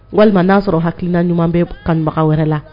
Walima n'a sɔrɔ hakilina ɲuman bɛ kanubagaw wɛrɛ la